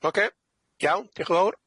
Ocê, iawn, dioch yn fowr.